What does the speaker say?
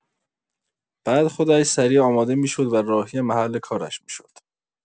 بعد خودش سریع آماده می‌شد و راهی محل کارش می‌شد.